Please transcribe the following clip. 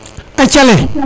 a Thiale